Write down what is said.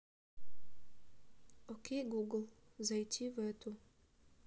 окей google зайти в эту